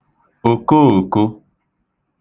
òkoòko